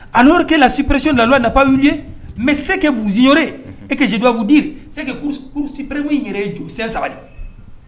A'oke lasipereresi lala nap ye mɛ se buzy e kadbudipre yɛrɛ ye jurusɛn sabali